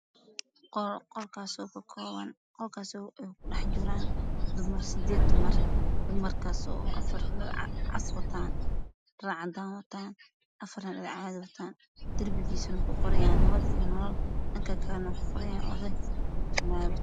Qolkaas oo ka kooban oo ay ku dhex jiraan oo afr cas wataan afar dhar caadi ah ayay wataaan darbigiisana ku qoran yahay nabad io nolol